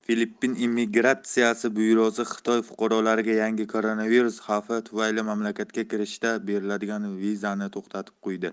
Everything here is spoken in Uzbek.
filippin immigratsiya byurosi xitoy fuqarolariga yangi koronavirus xavfi tufayli mamlakatga kirishda beriladigan vizani to'xtatib qo'ydi